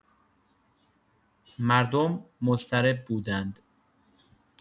مردم مضطرب بودند.